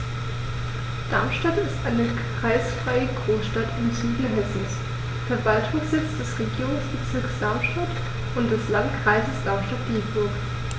Darmstadt ist eine kreisfreie Großstadt im Süden Hessens, Verwaltungssitz des Regierungsbezirks Darmstadt und des Landkreises Darmstadt-Dieburg.